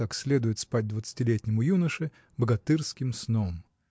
как следует спать двадцатилетнему юноше богатырским сном